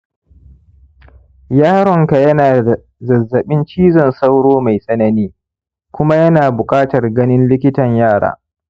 yaronka yana da zazzaɓin cizon sauro mai tsanani kuma yana buƙatar ganin likitan yara